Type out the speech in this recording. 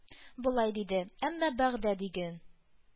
Болай диде: әмма бәгъдә, диген,